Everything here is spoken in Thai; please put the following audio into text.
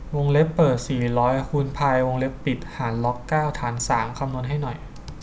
วงเล็บเปิดสี่ร้อยคูณพายวงเล็บปิดหารล็อกเก้าฐานสามคำนวณให้หน่อย